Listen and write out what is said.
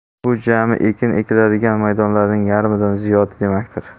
bu jami ekin ekiladigan maydonlarning yarmidan ziyodi demakdir